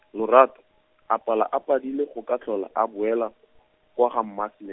Lorato, a pala a padile go ka tlhola a boela, kwa ga mma Smi-.